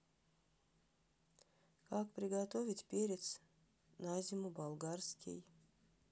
как приготовить перец на зиму болгарский